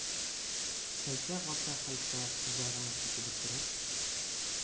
Кәлтә Гата хәлфә, кызарынып-бүртенеп: